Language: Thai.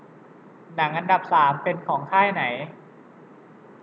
หนังอันดับสามเป็นของค่ายไหน